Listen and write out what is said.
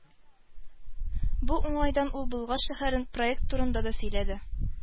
Бу уңайдан ул Болгар шәһәрен проект турында да сөйләде.